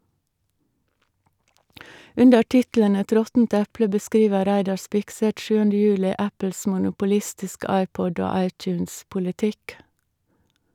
Under tittelen "Et råttent eple" beskriver Reidar Spigseth 7. juli Apples monopolistiske iPod- og iTunes-politikk.